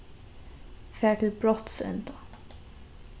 far til brotsenda